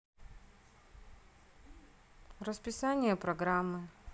расписание программы